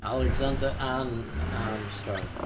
Alexander an- Armstrong.